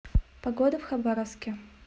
погода в хабаровске